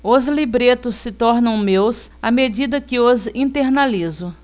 os libretos se tornam meus à medida que os internalizo